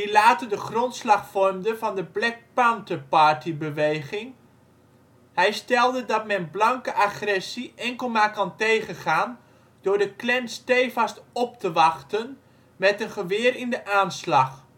later de grondslag vormde van de Black Panther Party-beweging. Hij stelde dat men blanke agressie enkel maar kan tegengaan door de Klan steevast op te wachten met een geweer in de aanslag